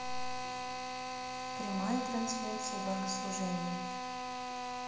прямая трансляция богослужения